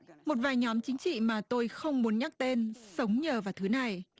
một vài nhóm chính trị mà tôi không muốn nhắc tên sống nhờ vào thứ này